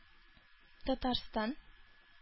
Татарстан